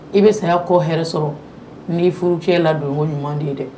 I bɛ saya kɔ hɛrɛɛ sɔrɔ n'i furu cɛ ladonko ɲuman de ye dɛ